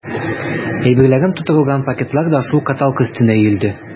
Әйберләрем тутырылган пакетлар да шул каталка өстенә өелде.